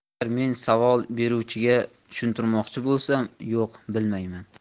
agar men savol beruvchiga tushuntirmoqchi bo'lsam yo'q bilmayman